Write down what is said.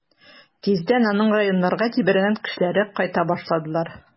Тиздән аның районнарга җибәргән кешеләре кайта башладылар.